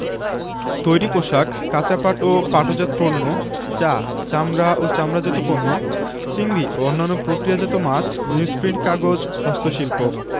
তৈরি পোশাক কাঁচা পাট ও পাটজাত পণ্য চা চামড়া ও চামড়াজাত পণ্য চিংড়ি ও অন্যান্য প্রক্রিয়াজাত মাছ নিউজপ্রিন্ট কাগজ হস্তশিল্প